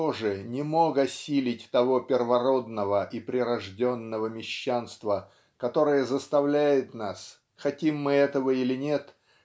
тоже не мог осилить того первородного и прирожденного мещанства которое заставляет нас хотим мы этого или нет